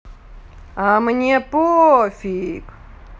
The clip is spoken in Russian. а мне пофиг